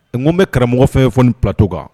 N bɛ karamɔgɔfɛn fɔ ni ptɔ kan